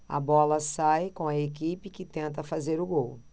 a bola sai com a equipe que tenta fazer o gol